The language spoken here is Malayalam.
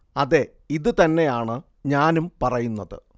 അതെ ഇതു തന്നെയാണ് ഞാനും പറയുന്നത്